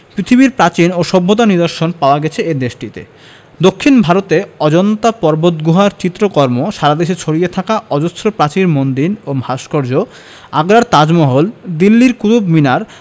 পৃথিবীর প্রাচীন ও সভ্যতার নিদর্শন পাওয়া গেছে এ দেশটিতে দক্ষিন ভারতে অজন্তা পর্বতগুহার চিত্রকর্ম সারা দেশে ছড়িয়ে থাকা অজস্র প্রাচীন মন্দির ও ভাস্কর্য আগ্রার তাজমহল দিল্লির কুতুব মিনার